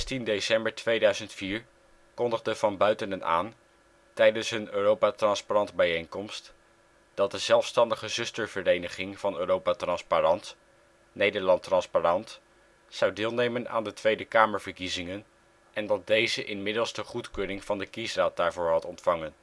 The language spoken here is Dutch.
16 december 2004 kondigde Van Buitenen aan, tijdens een Europa Transparant bijeenkomst, dat de zelfstandige zustervereniging van Europa Transparant, Nederland Transparant, zou deelnemen aan de Tweede Kamerverkiezingen en dat deze inmiddels de goedkeuring van de kiesraad daarvoor ontvangen